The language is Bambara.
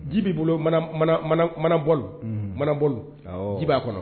Ji bɛ bolo mana bɔ manabɔ ji b'a kɔnɔ